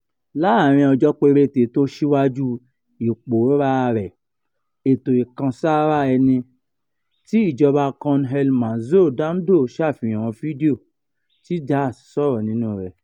Láàrin ọjọ́ péréte tó ṣíwájú ìpòóráa rẹ̀, ètò ìkàn-sára- ẹni ti ìjọba Con el Mazo Dando ṣàfihàn fídíò tí Díaz sọ̀rọ̀ nínúu rẹ̀.